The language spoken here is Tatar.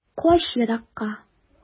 Кач еракка.